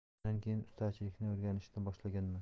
shundan keyin ustachilikni o'rganishni boshlaganman